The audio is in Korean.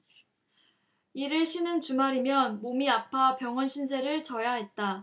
일을 쉬는 주말이면 몸이 아파 병원 신세를 져야 했다